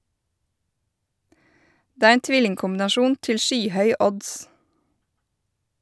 Det er en tvillingkombinasjon til skyhøy odds.